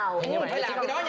mới làm cái đó